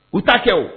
U ta kɛ